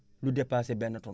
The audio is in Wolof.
lu dépassé benn tonne